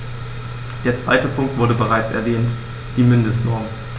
Der zweite Punkt wurde bereits erwähnt: die Mindestnormen.